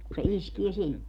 kun se iskee sinne